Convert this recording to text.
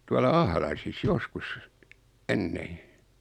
tuolla Ahlaisissa joskus ennen